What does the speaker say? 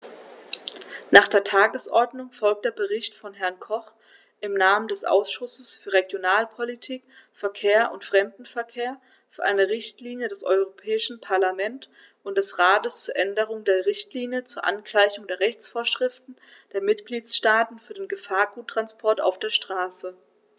Nach der Tagesordnung folgt der Bericht von Herrn Koch im Namen des Ausschusses für Regionalpolitik, Verkehr und Fremdenverkehr für eine Richtlinie des Europäischen Parlament und des Rates zur Änderung der Richtlinie zur Angleichung der Rechtsvorschriften der Mitgliedstaaten für den Gefahrguttransport auf der Straße.